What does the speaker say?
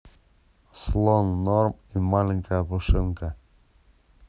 слон норм и маленькая пушинка